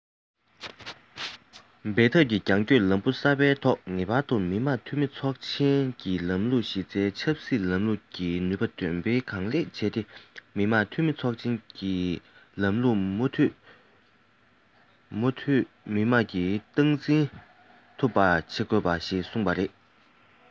འབད འཐབ ཀྱི རྒྱང སྐྱོད ལམ བུ གསར པའི ཐོག ངེས པར དུ མི དམངས འཐུས མི ཚོགས ཆེན གྱི ལམ ལུགས ཀྱི གཞི རྩའི ཆབ སྲིད ལམ ལུགས ཀྱི ནུས པ འདོན སྤེལ གང ལེགས བྱས ཏེ མི དམངས འཐུས མི ཚོགས ཆེན གྱི ལམ ལུགས མུ མཐུད ལག བསྟར བྱས ནས རྒྱལ ཁབ དང མི རིགས ཀྱི མདུན ལམ དང ལས དབང མི དམངས ཀྱིས སྟངས འཛིན ཐུབ པ བྱེད དགོས ཞེས གསུངས པ རེད